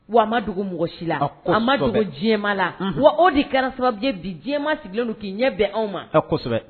Wa a ma dogo mɔgɔ si la a ko a ma dogo diɲɛma la wa o de kɛra sababubi bi diɲɛma sigilenlen k'i ɲɛ bɛn anw ma kosɛbɛ